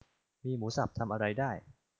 มีหมูสับทำอะไรได้